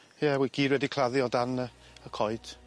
Ie wy gyd wedi claddu o dan yy y coed.